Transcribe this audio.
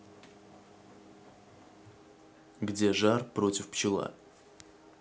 где жар против пчела